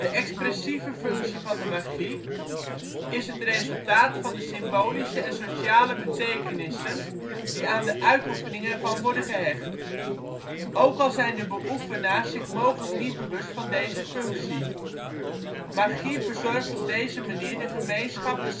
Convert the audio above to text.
expressieve functie van de magie is het resultaat van de symbolische en sociale betekenissen die aan de uitoefening ervan worden gehecht, ook al zijn de beoefenaars zich mogelijk niet bewust van deze functie. Magie bezorgt op deze manier de gemeenschap een